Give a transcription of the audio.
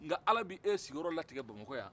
nka ala b'e sigiyɔrɔ latigɛ bamako yan